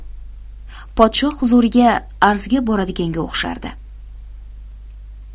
podshoh huzuriga arzga boradiganga o'xshardi